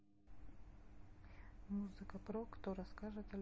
музыка про кто расскажет о любви